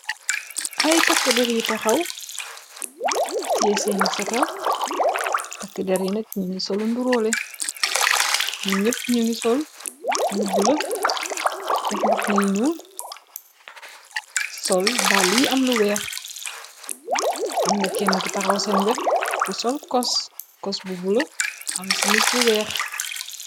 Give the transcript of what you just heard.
Ay takki der yu taxaw tie say ni feta takki der yi nek ñu ngi sol nduroole num ñepp ñu ngi sol lu bula def mbax na yu ñuul sol dal yi am lu weex amna kenn ku taxaw sem wet ku sol kos bu bula am ci mis bu weex.